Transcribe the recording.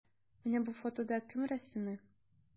Менә бу фотода кем рәсеме?